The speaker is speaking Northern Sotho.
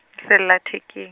sellatheke-.